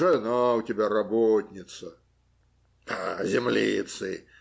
Жена у тебя работница. - Землицы!